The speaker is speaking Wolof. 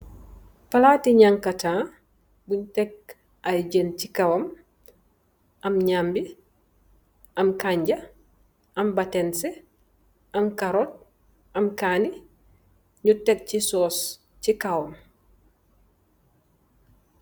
Palati werr bunj tek jeen am kan nja aye batansi am carrot am kaneh yunj tek si law suus si kawam.